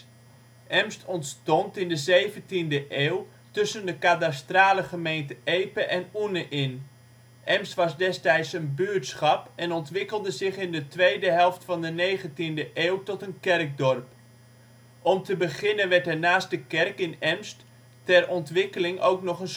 Emst ontstond in 17e eeuw tussen de kadastrale gemeente Epe en Oene in. Emst was destijds een buurtschap en ontwikkelde zich in de tweede helft van de 19e eeuw tot een kerkdorp. Om te beginnen werd er naast de kerk in Emst ter ontwikkeling ook nog een